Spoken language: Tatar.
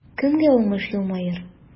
Кемгә уңыш елмаер?